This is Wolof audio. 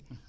hum